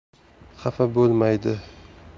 xafa bo'lmaydi